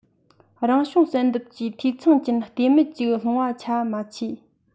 རང བྱུང བསལ འདེམས ཀྱིས འཐུས ཚང ཅན བལྟོས མེད ཅིག སློང བ ཆ མ མཆིས